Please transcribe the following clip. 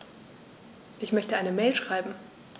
Ich möchte eine Mail schreiben.